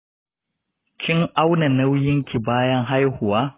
kin auna nauyinki bayan haihuwa?